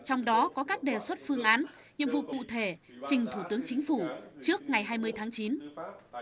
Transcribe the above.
trong đó có các đề xuất phương án nhiệm vụ cụ thể trình thủ tướng chính phủ trước ngày hai mươi tháng chín